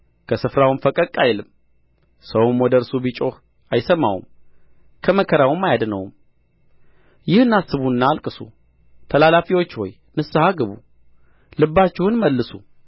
ከስፍራውም ፈቀቅ አይልም ሰውም ወደ እርሱ ቢጮኽ አይሰማውም ከመከራውም አያድነውም ይህን አስቡና አልቅሱ ተላላፊዎች ሆይ ንስሐ ግቡ ልባችሁንም መልሱ